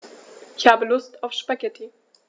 Ich habe Lust auf Spaghetti.